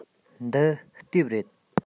འདི དེབ རེད